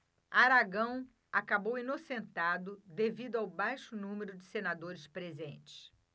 aragão acabou inocentado devido ao baixo número de senadores presentes